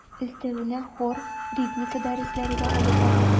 Өстәвенә хор, ритмика дәресләре дә алып бара.